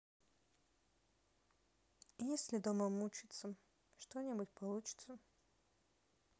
если дома мучиться что нибудь получится